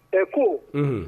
Ɛɛ ko